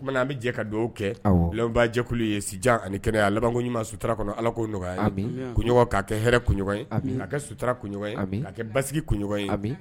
Kumana an bɛ jɛ ka dugawu kɛ baajɛkulu ye sijan ani kɛnɛya labanɲuman ɲuman suta kɔnɔ ala ko nɔgɔya ka kɛ h kunɲɔgɔn ye a kɛ suta kunɲɔgɔn a kɛ basi kunɲɔgɔn ye